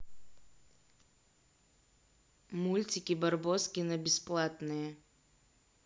мультики барбоскины бесплатные